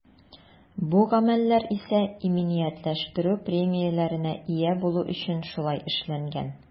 Бу гамәлләр исә иминиятләштерү премияләренә ия булу өчен шулай эшләнгән.